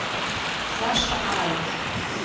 саша аист